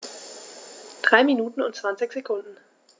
3 Minuten und 20 Sekunden